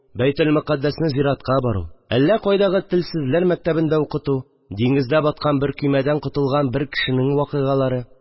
Бәйтелмөкаддәсне зиярәткә бару, әллә кайдагы телсезлэр мәктәбендә укыту, диңгездә баткан бер көйм әдән котылган бер кешенең вакыйгалары